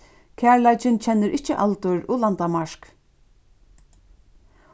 kærleikin kennir ikki aldur og landamark